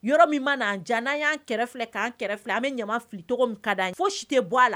Yɔrɔ min mana na jan n' y'an kɛrɛfɛ filɛ k' kɛrɛfɛ filɛ an bɛ ɲama fili cogo min ka fo si tɛ bɔ a la